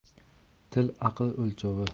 til aql o'lchovi